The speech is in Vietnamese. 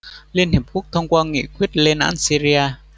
liên hiệp quốc thông qua nghị quyết lên án syria